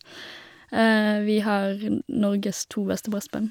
Vi har n Norges to beste brassband.